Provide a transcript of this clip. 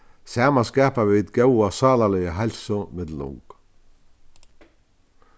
saman skapa vit góða sálarliga heilsu millum ung